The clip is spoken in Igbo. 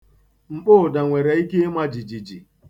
Mkpọụda nwere ike ịma jijiji.